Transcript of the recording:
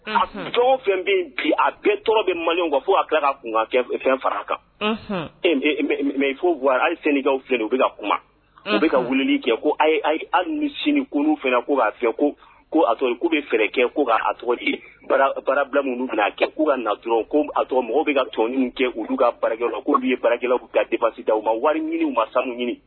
Tɔn fɛn bɛ bi a bɛɛ tɔgɔ bɛ mali kan fo a tila ka kun fɛn fara kan mɛ fowa hali senkaw filɛ u bɛka ka kuma u bɛka ka wuliin kɛ ko ayi hali sini kunun fɛ k'u b'a fɛ ko ko sɔrɔ k'u bɛ fɛɛrɛ kɛ ko k' tɔgɔ bara bila minnu kɛ k'u ka na dɔrɔn tɔgɔ mɔgɔw bɛ ka tɔn kɛ uu ka barajɛ la k'olu ye barajɛla' ka disita u ma wari ɲini ma sanu ɲini